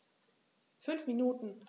5 Minuten